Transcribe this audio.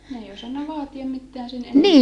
ne ei osannut vaatia mitään sen enempää